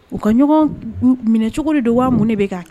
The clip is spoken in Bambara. U ka ɲɔgɔn minɛ cogo de don waa mun de bɛ kan